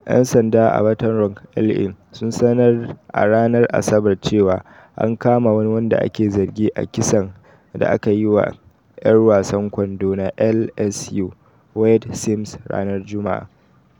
Yan sanda a Baton Rouge, La., Sun sanar a ranar Asabar cewa, an kama wani wanda ake zargi a kisan da aka yi wa' yar wasan kwando na LSU, Wayde Sims ranar Jumma'a.